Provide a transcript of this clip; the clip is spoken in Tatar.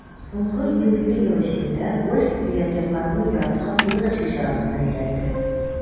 Соңгы 150 ел эчендә гольф миллионерларның яраткан күңел ачу чарасына әйләнде.